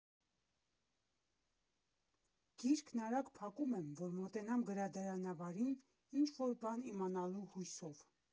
Գիրքն արագ փակում եմ, որ մոտենամ գրադարանավարին՝ ինչ֊որ բան իմանալու հույսով։